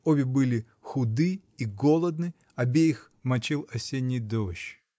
обе были худы и голодны, обеих мочил осенний дождь